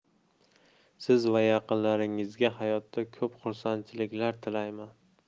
sizga va yaqinlaringizga hayotda ko'p xursandchiliklar tilayman